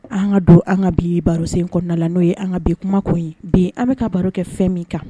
An ka don an ka bi baro sen in kɔnɔna la n'o ye an ka bi kuma kun ye bin an bɛka ka baro kɛ fɛn min kan